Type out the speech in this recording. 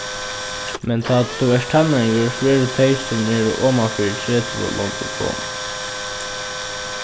men tá tú ert tannáringur so eru tey sum eru omanfyri tretivu longu gomul